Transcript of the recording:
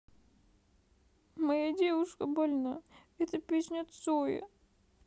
моя девушка больна это песня цоя